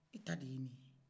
e ta de ye nin ye